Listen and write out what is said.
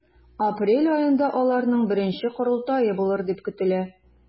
Апрель аенда аларның беренче корылтае булыр дип көтелә.